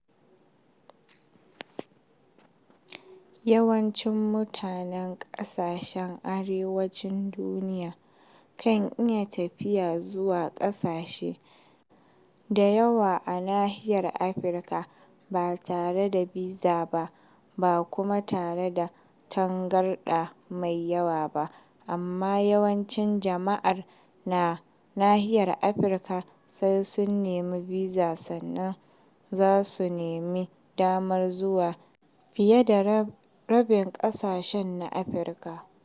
Yawancin mutanen ƙasashen arewacin duniya kan iya tafiya zuwa ƙasashe da yawa a nahiyar Afirka ba tare da biza ba, ba kuma tare da tangarɗa mai yawa ba, amma yawancin jama'ar na nahiyar Afirka sai sun nemi biza sannan za su sami damar zuwa fiye da rabin ƙasashen na Afirka.